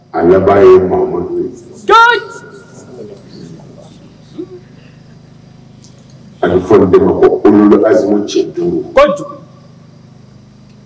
A laban ye Mahamadu ye sikeyi a bɛ fɔ nin de ma ko Ulukasumu cɛ duuru